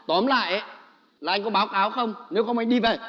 tóm lại là anh có báo cáo không nếu không anh đi về